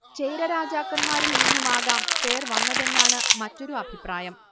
ചേര രാജാക്കന്മാരിൽ നിന്നുമാകാം പേർ വന്നതെന്നാണ് മറ്റൊരു അഭിപ്രായം